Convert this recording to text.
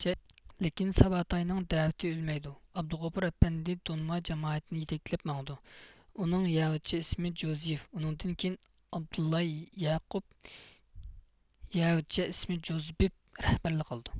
لېكىن ساباتاينىڭ دەۋىتى ئۆلمەيدۇ ئابدۇغوپۇر ئەپەندى دونىما جامائىتىنى يېتەكلەپ ماڭىدۇ ئۇنىڭ يەھۇدىيچە ئىسمى جوزىيف ئۇنىڭدىن كېيىن ئابدۇللاھ يەئىقۇب يەھۇدىيچە ئىسمى جوزىبف رەھبەرلىك قىلىدۇ